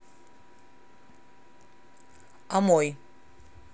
а мой